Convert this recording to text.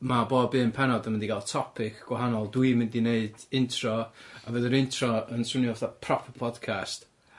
ma' bob un pennod yn mynd i ga'l topic gwahanol, dwi'n mynd i neud intro a fydd yr intro yn swnio fatha proper podcast